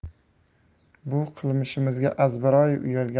bu qilmishimizga azbaroyi uyalganimda